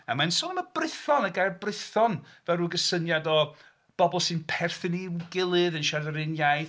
A mae'n sôn am y Brython. Y gair 'Brython' fel ryw gysyniad o bobl sy'n perthyn i'w gilydd yn siarad yr un iaith.